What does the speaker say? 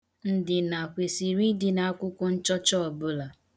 Ndịna kwesịrị ịdị n' akwụkwọ nchọcha ọbụla.